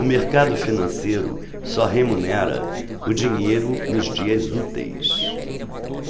o mercado financeiro só remunera o dinheiro nos dias úteis